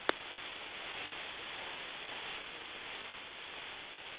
приколы орхидея